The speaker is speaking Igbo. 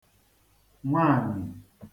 nwaànyị̀